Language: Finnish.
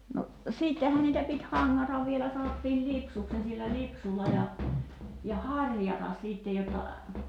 no sittenhän niitä piti hangata vielä sanottiin lipsuksi niin sillä lipsulla ja ja harjata sitten jotta